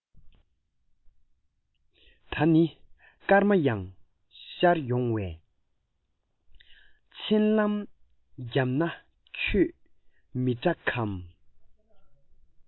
ད ནི སྐར མ ཡང ཤར ཡོང བས མཚན ལམ བརྒྱབ ན ཁྱོད མི སྐྲག གམ